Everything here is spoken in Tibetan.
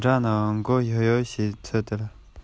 གཙང པོ ཡིན དགོས